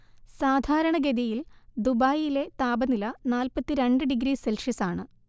സാധാരണഗതിയിൽ ദുബായിലെ താപനില നാല്‍പ്പത്തിരണ്ട് ഡിഗ്രി സെൽഷ്യസാണ്